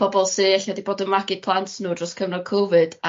Pobol sy e'lla 'di bod yn magu plant n'w dros cyfnod covid a